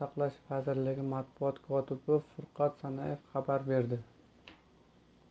matbuot kotibi furqat sanayev xabar berdi